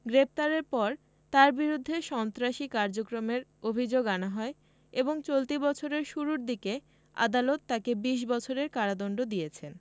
গ্রেপ্তারের পর তাঁর বিরুদ্ধে সন্ত্রাসী কার্যক্রমের অভিযোগ আনা হয় এবং চলতি বছরের শুরুর দিকে আদালত তাকে ২০ বছরের কারাদণ্ড দিয়েছে